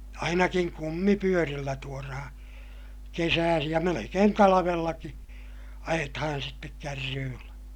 ainakin kumipyörillä tuodaan kesäisin ja melkein talvellakin ajetaan sitten kärryillä